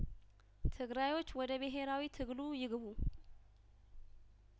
ትግራዮች ወደ ብሄራዊ ትግሉ ይግቡ